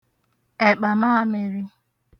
ẹ̀kpàmamịrị